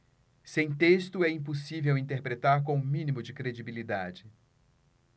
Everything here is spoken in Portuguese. sem texto é impossível interpretar com o mínimo de credibilidade